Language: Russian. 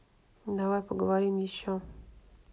давай поговорим еще